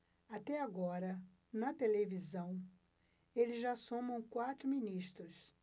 até agora na televisão eles já somam quatro ministros